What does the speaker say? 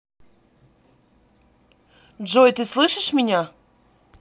джой ты слышишь меня